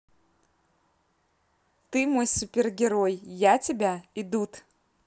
ты мой супергерой я тебя идут